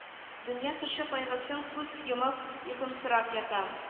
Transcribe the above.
Дөнья кеше кайгысына күз йомып йокымсырап ята